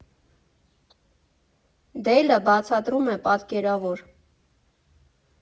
Դեյլը բացատրում է պատկերավոր.